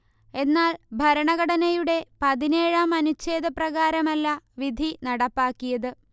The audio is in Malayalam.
എന്നാൽ ഭരണഘടനയുടെ പതിനേഴാം അനുഛേദപ്രകാരമല്ല വിധി നടപ്പാക്കിയത്